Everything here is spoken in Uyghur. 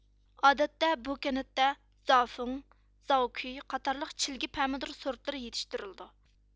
ئادەتتە بۇ كەنىتتە زاۋفىڭ زاۋكۈي قاتارلىق چىلگە پەمىدۇر سورتلىرى يىتىشتۈرلىدۇ